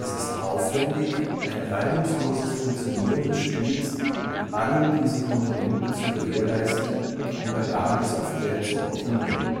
ist aufwendig, ein reibungsloses Funktionieren des Spiels mit allen diesen Komponenten zu gewährleisten oder gar die Software zu optimieren